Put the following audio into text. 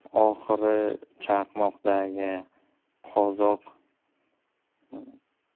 oxiri chaqmoqdagi qozoq